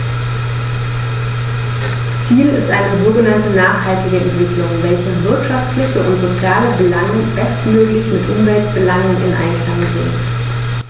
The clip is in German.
Ziel ist eine sogenannte nachhaltige Entwicklung, welche wirtschaftliche und soziale Belange bestmöglich mit Umweltbelangen in Einklang bringt.